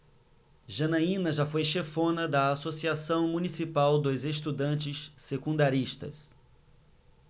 janaina foi chefona da ames associação municipal dos estudantes secundaristas